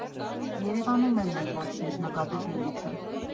֊ Երևանում էլ նենց ոչինչ, ֊ նկատեց Լիլիթը։